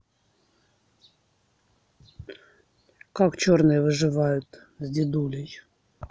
как черные выживают с дедулей